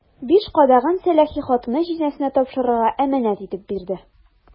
Биш кадагын сәләхи хатыны җизнәсенә тапшырырга әманәт итеп бирде.